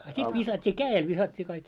a sitten viskattiin kädellä viskattiin kaikki